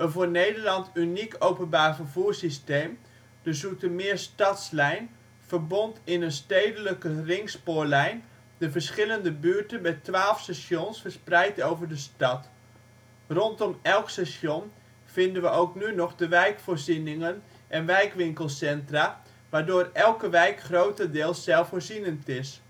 voor Nederland uniek openbaarvervoerssysteem, de Zoetermeer Stadslijn, verbond in een stedelijke ringspoorlijn de verschillende buurten met 12 stations verspreid over de stad. Rondom elk station vinden we ook nu nog de wijkvoorzieningen en wijkwinkelcentra waardoor elke wijk grotendeels zelfvoorzienend is